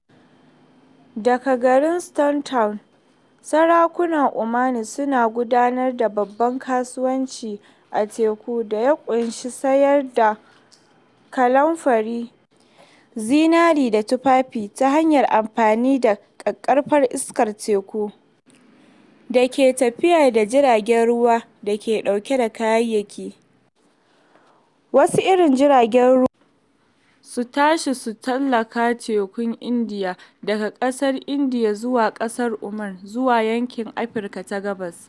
Daga garin Stone Town, sarakunan Omani suna gudanar da babban kasuwanci a teku da ya ƙunshi sayar da kanunfari, zinare da tufafi ta hanyar amfani da ƙaƙƙarfar iskar teku da ke tafiyar da jiragen ruwan da ke ɗauke da kayayyaki - wasu irin jiragen ruwan Larabawa ne - su tashi su tsallaka Tekun Indiya daga ƙasar Indiya zuwa ƙasar Oman zuwa yankin Afirka ta Gabas.